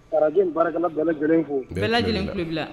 Araj baara bɛɛ lajɛlen fo bɛɛ lajɛlen tun bila